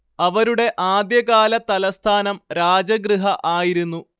അവരുടെ ആദ്യകാലതലസ്ഥാനം രാജഗൃഹ ആയിരുന്നു